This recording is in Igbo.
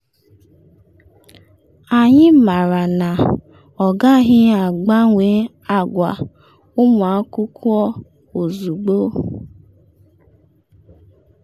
‘Anyị maara na ọ gaghị agbanwe agwa ụmụ akwụkwọ ozugbo.